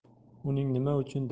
uning nima uchun